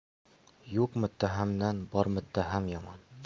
yo'q muttahamdan bor muttaham yomon